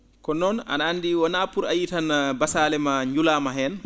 ko noon ano anndi wonaa pour a yiyii tan basaale maa njulaama heen